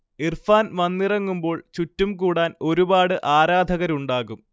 ഇർഫാൻ വന്നിറങ്ങുമ്പോൾ ചുറ്റും കൂടാൻ ഒരുപാട് ആരാധകരുണ്ടാകും